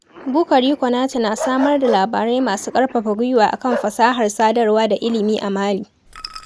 Boukary Konaté na samar da labarai masu ƙarfafa gwiwa a kan fasahar sadarwa da ilimi a Mali.